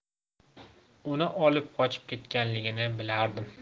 uni olib qochib ketganligini bilardim